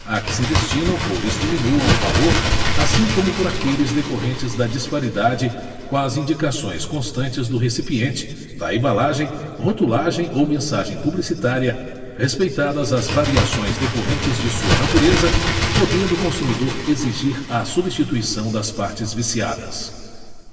a que se destinam ou lhes diminuam o valor assim como por aqueles decorrentes da disparidade com a indicações constantes do recipiente da embalagem rotulagem ou mensagem publicitária respeitadas as variações decorrentes de sua natureza podendo o consumidor exigir a substituição das partes viciadas